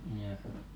jaaha